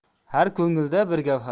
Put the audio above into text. har ko'ngilda bir gavhar